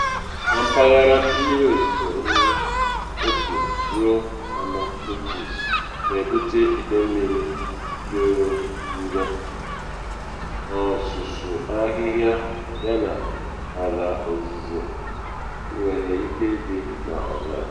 Na mpaghara, mmiri ozizo ruru 1 ruo 4 inchis ga-ebute ide mmiri jọrọ njọ, ọsụsọ ahịhịa yana ala ọzịze nwere ike ịdị n’ọzara.